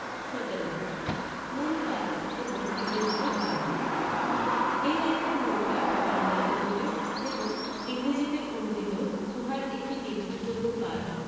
১৭ মূল পাঠ এবং ইংরেজীতে পাঠ এই আইনের মূল পাঠ বাংলাতে হইবে এবং ইংরেজীতে অনূদিত উহার একটি নির্ভরযোগ্য পাঠ